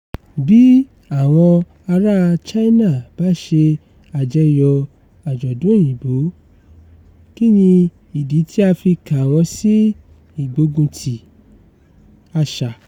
Bí àwọn aráa China bá ṣe àjọyọ̀ àjọ̀dún Òyìnbó, kí ni ìdí tí a fi kà wọ́n sí ìgbógunti àṣà?